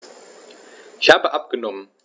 Ich habe abgenommen.